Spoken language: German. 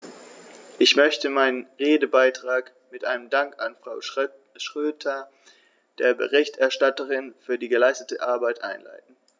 Ich möchte meinen Redebeitrag mit einem Dank an Frau Schroedter, der Berichterstatterin, für die geleistete Arbeit einleiten.